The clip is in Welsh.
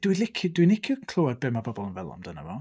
Dwi'n licio... Dwi'n licio clywed be ma' bobl yn feddwl amdano fo.